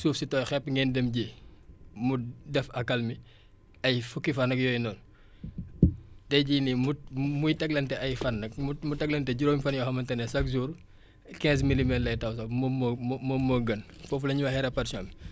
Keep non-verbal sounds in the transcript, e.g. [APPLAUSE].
suuf si tooy xepp ngeen dem ji mu def acalmie ay fukki fan ak yooyu noonu [NOISE] tay jii nii mu muy teglante ay fan mu mu teglante juróomi fan yoo xamante ne chaque jour quinze [NOISE] milimètres lay taw sax moom moo moom moo gën foofu la ñuy waxee répartition bi